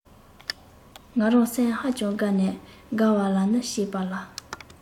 ང རང སེམས ཧ ཅང དགའ ནས དགའ བ ལ ནི སྐྱིད པ ལ